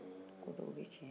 tunkaraya nana ten